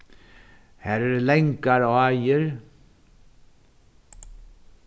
har eru langar áir